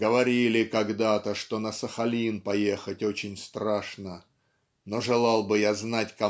Говорили когда-то, что на Сахалин поехать очень страшно. Но желал бы я знать